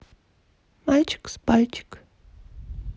мальчик с пальчик